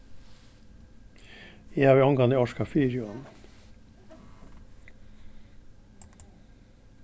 eg havi ongantíð orkað fyri honum